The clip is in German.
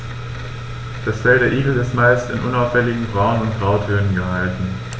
Das Fell der Igel ist meist in unauffälligen Braun- oder Grautönen gehalten.